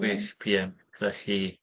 Chwech PM, felly...